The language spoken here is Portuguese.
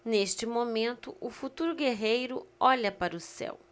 neste momento o futuro guerreiro olha para o céu